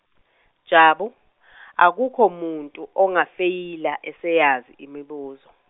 Jabu, akukho muntu ongafeyila eseyazi imibuzo.